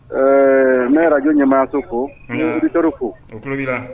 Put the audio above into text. Ɛɛ n bɛ radio ɲɛmayaso fo. Ahan. N bɛ auditeur w fo. Utulo b'i la